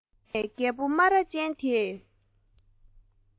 བསྟུན ནས རྒད པོ སྨ ར ཅན དེས